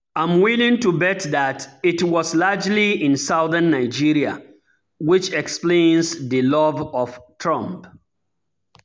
I'm willing to bet that it was largely in southern Nigeria, which explains the love of Trump.